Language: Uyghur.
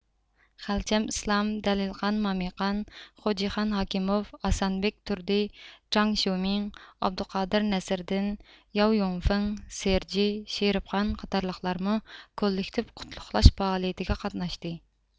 خەلچەم ئىسلام دەلىلقان مامىقان خوجىخان ھاكىموف ئاسانبېك تۇردى جاڭ شيۇمىڭ ئابدۇقادىر نەسىردىن ياۋ يۇڭفېڭ سېرجې شېرىپقان قاتارلىقلارمۇ كوللېكتىپ قۇتلۇقلاش پائالىيىتىگە قاتناشتى